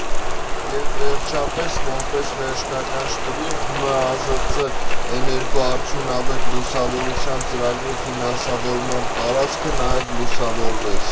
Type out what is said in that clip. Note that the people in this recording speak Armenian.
Եվ վերջապես, որպես վերջնական շտրիխ, ՄԱԶԾ էներգոարդյունավետ լուսավորության ծրագրի ֆինանսավորմամբ տարածքը նաև լուսավորվեց։